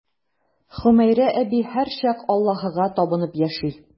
Хөмәйрә әби һәрчак Аллаһыга табынып яши.